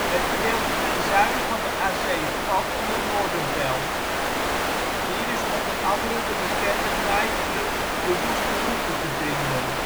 Het gedeelte ten zuiden van de A7 valt onder Noordenveld. Hier is onder andere de bekende nightclub (seksclub) de Woeste Hoeve te vinden